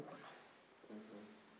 ko wɛrɛ b'o kɔnɔla la